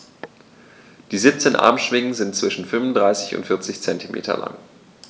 Die 17 Armschwingen sind zwischen 35 und 40 cm lang.